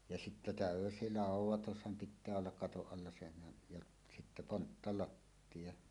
ja sitten täysi laudoitushan pitää olla katon alla senhän ja sitten ponttalattia